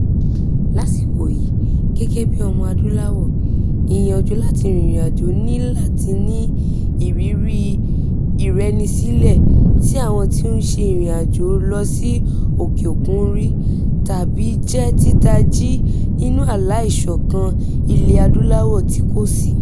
Lásìkò yìí, gẹ́gẹ́ bíi Ọmọ-adúláwọ̀, ìyànjú láti rìnrìnàjò ni láti ní ìrírí ìrẹnisílẹ̀ tí àwọn tí ó ń se ìrìnàjò lọ sí òkè-òkun ń rí — tàbí jẹ́ títají nínú àlà ìsọ̀kan Ilẹ̀-adúláwọ̀ tí kò sí.